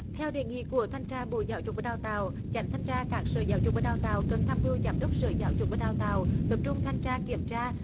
theo đề nghị của thanh tra bộ giáo dục và đào tạo chánh thanh tra các sở giáo dục và đào tạo cần tham mưu giám đốc sở giáo dục và đào tạo tập trung thanh tra kiểm tra